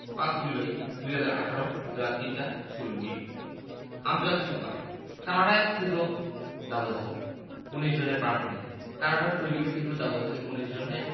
৫ July ২০১৮ বেলা ৩টা ১৬ minute আন্তর্জাতিক সংবাদ কানাডায় তীব্র দাবদাহ ১৯ জনের প্রাণহানি কানাডার কুইবেকে তীব্র দাবদাহে ১৯ জনের